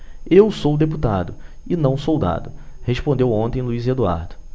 eu sou deputado e não soldado respondeu ontem luís eduardo